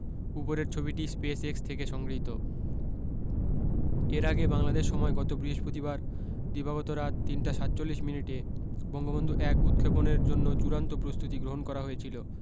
উপরের ছবিটি স্পেসএক্স থেকে সংগৃহীত এর আগে বাংলাদেশ সময় গত বৃহস্পতিবার দিবাগত রাত ৩টা ৪৭ মিনিটে বঙ্গবন্ধু ১ উৎক্ষেপণের জন্য চূড়ান্ত প্রস্তুতি গ্রহণ করা হয়েছিল